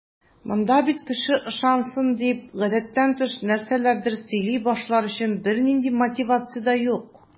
Монда бит кеше ышансын дип, гадәттән тыш нәрсәләрдер сөйли башлар өчен бернинди мотивация дә юк.